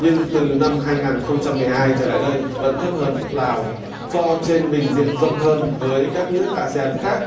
nhưng từ năm hai ngàn không trăm mười hai trở lại đây vẫn thấp hơn lào so trên bình diện rộng hơn với các nước a se an khác